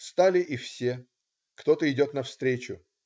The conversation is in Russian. Стали и все, кто-то идет навстречу.